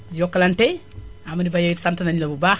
Jokalante Amady Ba yow it sant nañ la bu baax